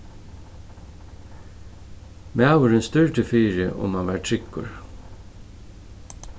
maðurin stúrdi fyri um hann var tryggur